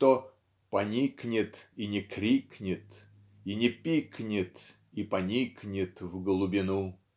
кто "поникнет и не крикнет и не пикнет и поникнет в глубину".